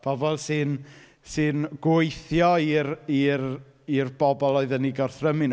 Pobl sy'n sy'n gweithio i'r i'r i'r bobl oedd yn eu gorthrymu nhw.